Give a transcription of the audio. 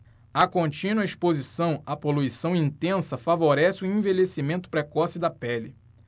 a contínua exposição à poluição intensa favorece o envelhecimento precoce da pele